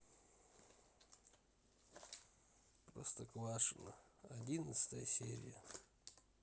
простоквашино одиннадцатая серия